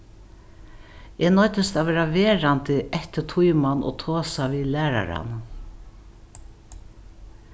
eg noyddist at verða verandi eftir tíman og tosa við læraran